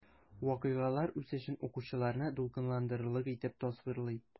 Вакыйгалар үсешен укучыларны дулкынландырырлык итеп тасвирлый.